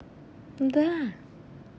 da